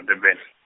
Durban.